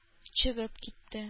Чыгып китте